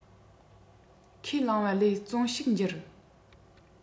ཁས བླངས པ ལས བརྩོན ཕྱུག འགྱུར